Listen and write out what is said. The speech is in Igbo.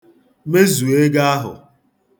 Mezuo ego ahụ.